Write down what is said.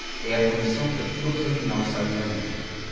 é a condição para que todos afinal saiam ganhando